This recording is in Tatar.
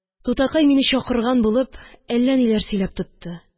Тутакай, мине чакырган булып, әллә ниләр сөйләп тотты